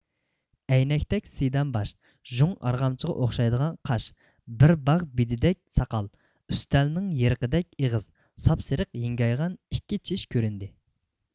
ئەينەكتەك سىدام باش ژۇڭ ئارغامچىغا ئوخشايدىغان قاش بىر باغ بېدىدەك ساقال ئۈستەلنىڭ يېرىقىدەك ئېغىز ساپسېرىق ھىڭگايغان ئىككى چىش كۆرۈندى